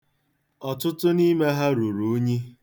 Ọtụtụ n'ime ha ruru unyi.